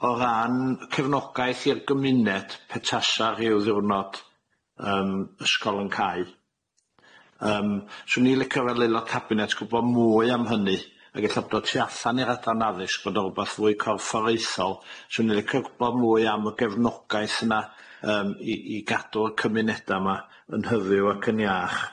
o ran cefnogaeth i'r gymuned pe tasa ryw ddiwrnod yym ysgol yn cau, yym 'swn i'n licio fel Aelod Cabinet gwbo' mwy am hynny ag ella bod o tu allan i'r Adran Addysg fod o'n rwbath fwy corfforaethol. 'Swn i'n licio gwbo' mwy am y gefnogaeth yna yym i i gadw'r cymuneda yma yn hyfyw ac yn iach.